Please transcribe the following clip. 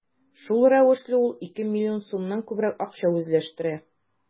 Шул рәвешле ул ике миллион сумнан күбрәк акча үзләштерә.